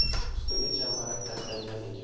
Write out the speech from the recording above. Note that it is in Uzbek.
ustiga chambarak tashlangan ikki